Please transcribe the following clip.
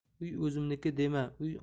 uy o'zimniki dema